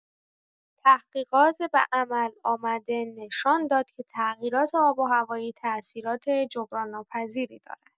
تحقیقات به‌عمل‌آمده نشان داد که تغییرات آب‌وهوایی تأثیرات جبران‌ناپذیری دارد.